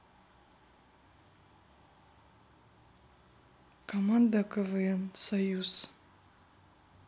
команда квн союз